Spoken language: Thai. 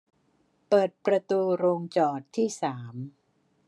เปิดประตูโรงจอดที่สาม